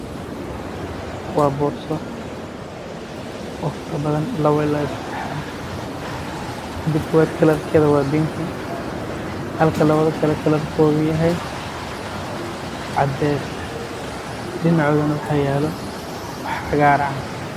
Waa boorso ka kooban sadax